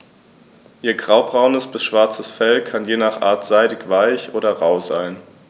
Ihr graubraunes bis schwarzes Fell kann je nach Art seidig-weich oder rau sein.